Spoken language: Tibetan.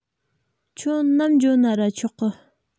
ཁྱོད ནམ འགྱོ ན ར ཆོག གི